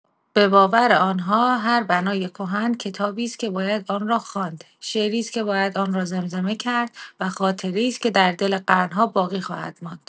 به باور آن‌ها، هر بنای کهن، کتابی است که باید آن را خواند، شعری است که باید آن را زمزمه کرد، و خاطره‌ای است که در دل قرن‌ها باقی خواهد ماند.